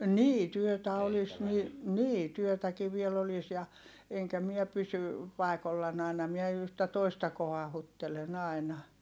niin työtä olisi niin niin työtäkin vielä olisi ja enkä minä pysy paikoillani aina minä yhtä toista kohauttelen aina